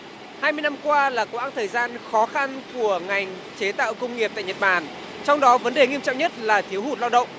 hai mươi năm qua là quãng thời gian khó khăn của ngành chế tạo công nghiệp tại nhật bản trong đó vấn đề nghiêm trọng nhất là thiếu hụt lao động